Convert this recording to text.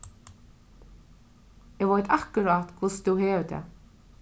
eg veit akkurát hvussu tú hevur tað